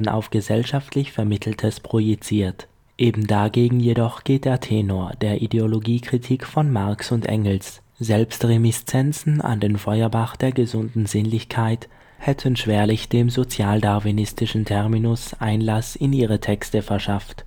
auf gesellschaftlich Vermitteltes projiziert. Eben dagegen jedoch geht der Tenor der Ideologiekritik von Marx und Engels […] Selbst Reminiszenzen an den Feuerbach der gesunden Sinnlichkeit hätten schwerlich dem sozialdarwinistischen Terminus Einlaß in ihre Texte verschafft